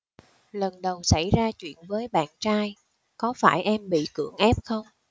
lần đầu xảy ra chuyện với bạn trai có phải em bị cưỡng ép không